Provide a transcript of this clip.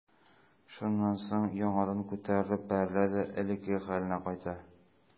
Шуннан соң яңадан күтәрелеп бәрелә дә элеккеге хәленә кайта.